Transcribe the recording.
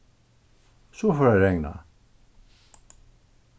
so fór at regna